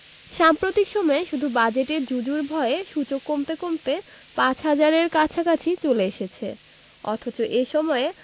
সাম্প্রতিক সময়ে শুধু বাজেটের জুজুর ভয়ে সূচক কমতে কমতে ৫ হাজারের কাছাকাছি চলে এসেছে অথচ এ সময়ে